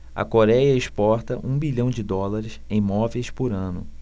a coréia exporta um bilhão de dólares em móveis por ano